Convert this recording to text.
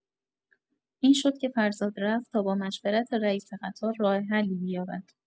این شد که فرزاد رفت تا با مشورت رئیس قطار راه حلی بیابد.